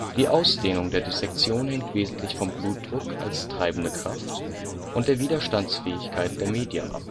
Die Ausdehnung der Dissektion hängt wesentlich vom Blutdruck als treibende Kraft und der Widerstandsfähigkeit der Media